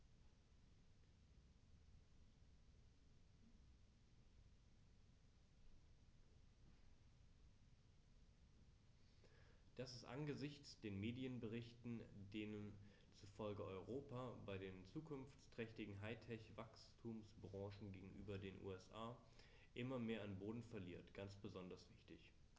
Das ist angesichts von Medienberichten, denen zufolge Europa bei den zukunftsträchtigen High-Tech-Wachstumsbranchen gegenüber den USA immer mehr an Boden verliert, ganz besonders wichtig.